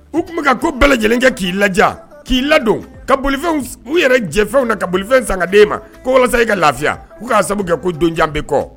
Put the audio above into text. U tun bɛ ka ko bɛɛ lajɛlen kɛ k'i laja k'i ladon ka bolifɛn u yɛrɛ jɛfɛnw na ka bolifɛn sangaden ma ko walasa i ka lafiya u k'a sababu kɛ ko donjanbe kɔ